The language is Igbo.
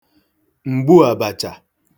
m̀gbu àbàchà